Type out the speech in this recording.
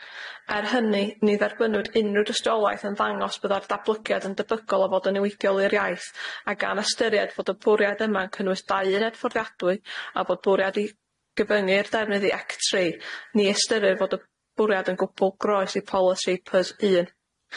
Er hynny ni dderbynnwyd unrhyw dystiolaeth yn ddangos bydda'r datblygiad yn debygol o fod yn niweidiol i'r iaith a gan ystyried fod y bwriad yma'n cynnwys dau uned fforddiadwy a fod bwriad i gyfyngu'r defnydd i ec tri ni ystyrir fod y bwriad yn gwbwl groes i polisi pys un.